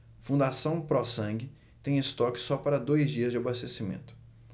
fundação pró sangue tem estoque só para dois dias de abastecimento